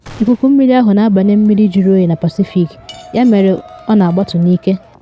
Ikuku mmiri ahụ na abanye mmiri jụrụ oyi na Pacifik ya mere ọ na agbatu n’ike.